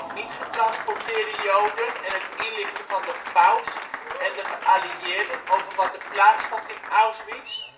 niet getransporteerde Joden en het inlichten van de paus en de geallieerden over wat er plaatsvond in Auschwitz